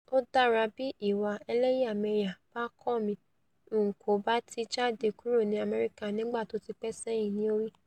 Ó dára, bí ìwà ẹlẹ́yàmẹ̀yà bá kàn mi N kòbá ti jáde kuro ní Amẹrika nígba tótipẹ́ sẹ́yìn,'' ni o wí.